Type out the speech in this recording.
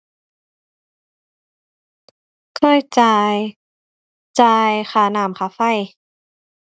เคยจ่าย จ่ายค่าน้ำค่าไฟ